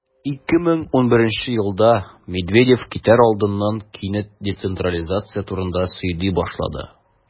2011 елда медведев китәр алдыннан кинәт децентрализация турында сөйли башлады.